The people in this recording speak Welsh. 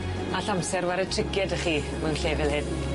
All' amser 'ware tricie 'dy chi mewn lle fel hyn.